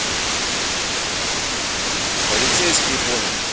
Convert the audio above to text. полицейские погони